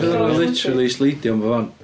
Byddan nhw'n literally sleidio yn bob man.